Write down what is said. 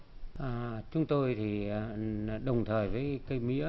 ờ chúng tôi thì đồng thời với cây mía